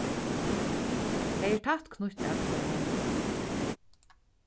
tey eru tætt knýtt at hvørjum øðrum